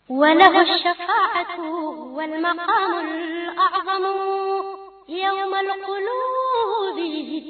We walima yo